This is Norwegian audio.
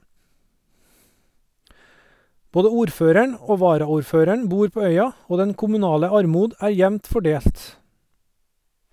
Både ordføreren og varaordføreren bor på øya , og den kommunale armod er jevnt fordelt.